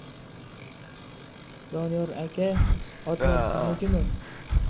doniyor aka otlar siznikimi